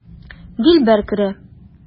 Дилбәр керә.